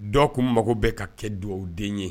Dɔw tun mago bɛ ka kɛ dugawu den ye